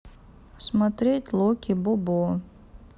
смотреть локи бобо